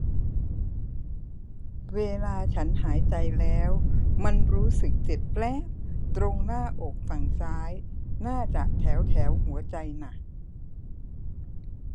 เวลาฉันหายใจแล้วมันรู้สึกเจ็บแปล๊บตรงหน้าอกฝั่งซ้ายน่าจะแถวแถวหัวใจน่ะ